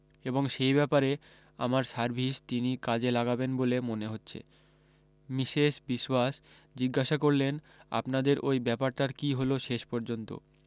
এবং সেই ব্যাপারে আমার সার্ভিস তিনি কাজে লাগাবেন বলে মনে হচ্ছে মিসেস বিশোয়াস জিজ্ঞাসা করলেন আপনাদের ওই ব্যাপারটার কী হলো শেষ পর্য্যন্ত